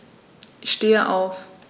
Ich stehe auf.